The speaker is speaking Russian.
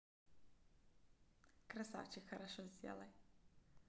красавчик хорошо сделай